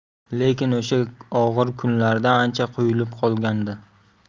lekin o'sha og'ir kunlarda ancha quyilib qolgan edi